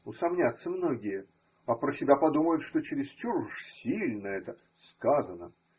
– усомнятся многие, а про себя подумают, что чересчур уже сильно это сказано.